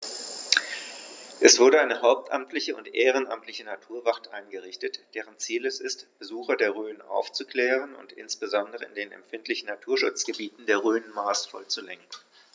Es wurde eine hauptamtliche und ehrenamtliche Naturwacht eingerichtet, deren Ziel es ist, Besucher der Rhön aufzuklären und insbesondere in den empfindlichen Naturschutzgebieten der Rhön maßvoll zu lenken.